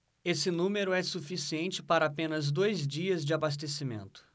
esse número é suficiente para apenas dois dias de abastecimento